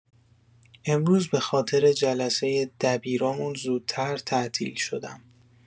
امروز به‌خاطر جلسه دبیرامون زودتر تعطیل شدم.